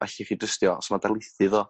allwch chi drystio os ma' darlithydd o